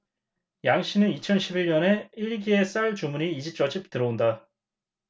양씨는 이천 십 일 년에 일기에 쌀 주문이 이집저집 들어온다